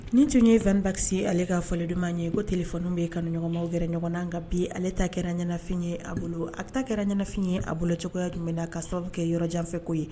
Nin tun ye Van Baxy ale fɔli duman ye. Ko téléphone bɛ kanuɲɔgɔnmanw gɛrɛ ɲɔgɔn na, nka bi ale ta kɛla ŋɛnafin ye a bolo.A kɛra ɲɛnafin ye a bolo cogoya jumɛn na, ka sababu kɛ yɔrɔ jan fɛ ko ye.